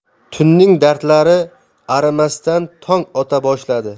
tunning dardlari arimasdan tong ota boshladi